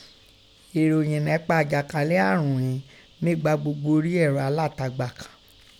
Èròyìn nẹ́pa àjàkálẹ̀ àrùn ìín mí gba gbogbo orí ẹrọ alátagbà kàn